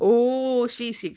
Ww! She's seen...